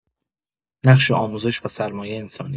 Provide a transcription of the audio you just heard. نقش آموزش و سرمایه انسانی